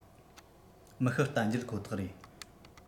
མི ཤི རྟ འགྱེལ ཁོ ཐག རེད